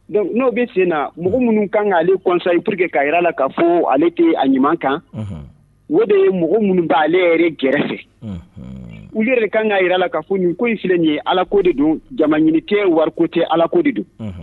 Donc n'o bɛ sen na mɔgɔ minnu kan kaale kɔnsayiur que ka jira la ka fɔ ale kɛ a ɲuman kan o de ye mɔgɔ minnu taale yɛrɛ gɛrɛ fɛ u yɛrɛ kan ka jira la ka fɔ nin ko in filɛ ye ala ko de don jama ɲini wariku tɛ alako de don